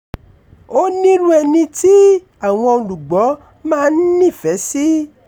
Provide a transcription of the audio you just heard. Ó nírú ẹni tí àwọn olùgbọ́ọ wa máa ń nífẹ̀ẹ́ sí.